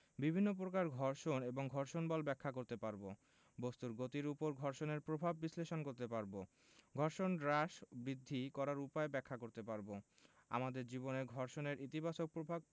বিভিন্ন প্রকার ঘর্ষণ এবং ঘর্ষণ বল ব্যাখ্যা করতে পারব বস্তুর গতির উপর ঘর্ষণের প্রভাব বিশ্লেষণ করতে পারব ঘর্ষণ হ্রাস বৃদ্ধি করার উপায় ব্যাখ্যা করতে পারব আমাদের জীবনে ঘর্ষণের ইতিবাচক প্রভাব